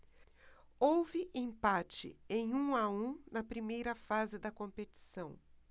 houve empate em um a um na primeira fase da competição